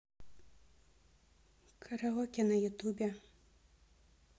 караоке на ютубе